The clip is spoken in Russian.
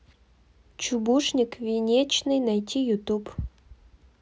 чубушник венечный найти ютуб